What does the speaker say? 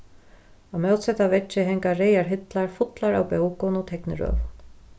á mótsetta veggi hanga reyðar hillar fullar av bókum og teknirøðum